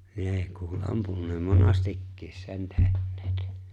ne kuuli ampuneen monastikin sen tehneet